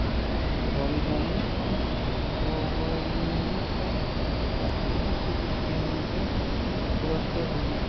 volidangiz ham tog'oyingiz ham vaqt o'tib ketayotganidan iztirobda edik